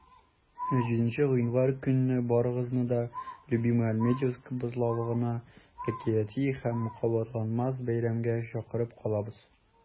7 гыйнвар көнне барыгызны да "любимыйальметьевск" бозлавыгына әкияти һәм кабатланмас бәйрәмгә чакырып калабыз!